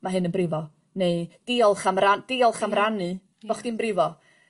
Ma' hyn yn brifo neu diolch am ran- diolch am rannu bo' chdi'n brifo.